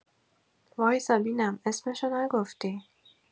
وایسا بینم اسمشو نگفتی